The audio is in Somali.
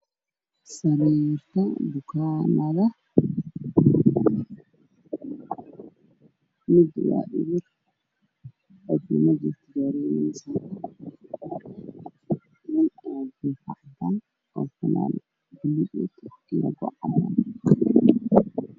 Meeshan waxaa ka muuqday xuseen waxaa jiifo nin bukaan wata shati cadaado meeshana waa isbital